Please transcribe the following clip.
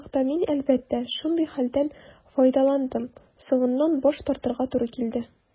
Кайчакта мин, әлбәттә, шундый хәлдән файдаландым - соңыннан баш тартырга туры килде.